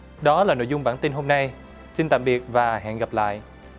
đó là nội dung bản tin hôm nay xin tạm biệt và hẹn gặp lại